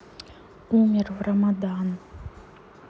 умер в рамадан